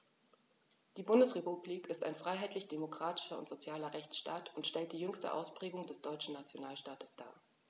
Die Bundesrepublik ist ein freiheitlich-demokratischer und sozialer Rechtsstaat und stellt die jüngste Ausprägung des deutschen Nationalstaates dar.